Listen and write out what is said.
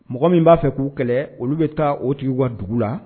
Mɔgɔ min b'a fɛ k'u kɛlɛ olu bɛ taa o tigi wa dugu la